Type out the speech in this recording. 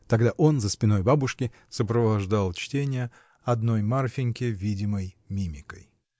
Тогда он, за спиной бабушки, сопровождал чтение одной Марфиньке видимой мимикой.